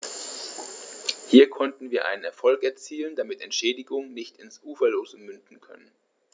Hier konnten wir einen Erfolg erzielen, damit Entschädigungen nicht ins Uferlose münden können.